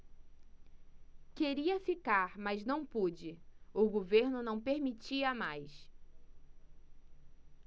queria ficar mas não pude o governo não permitia mais